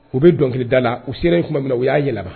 U bɛ dɔnkilikilida la u sera in tuma min na u y'a yɛlɛma